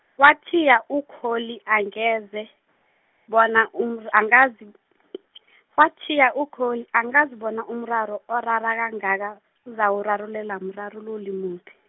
Watjhiya Ukholi angeze, bona umr- angazi , watjhiya Ukholi angazi bona umraro orara kangaka, uzawurarululelwa mrarululi muphi.